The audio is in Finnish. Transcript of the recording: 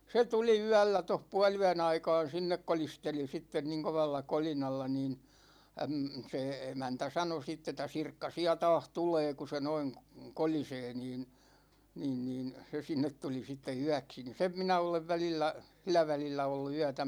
se tuli yöllä tuossa puoliyön aikaan sinne kolisteli sitten niin kovalla kolinalla niin - se emäntä sanoi sitten että Sirkka siellä taas tulee kun se noin kolisee niin niin niin se sinne tuli sitten yöksi niin sen minä olen välillä sillä välillä ollut yötä